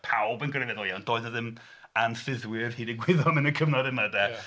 Pawb yn grefyddol iawn, doedd 'na ddim anffyddwyr hyd y gwyddon yn y cyfnod yma 'de